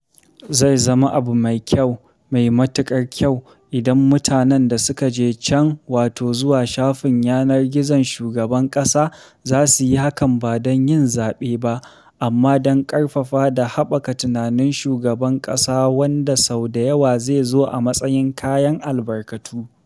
Zai zama abu mai kyau, mai matuƙar kyau, idan mutanen da suka je can (zuwa shafin yanar gizon Shugaban Kasa) za su yi hakan ba don “yin yabe” ba, amma don ƙarfafa da haɓaka tunanin Shugaban Kasa wanda sau da yawa zai zo a matsayin “kayan albarkatu.”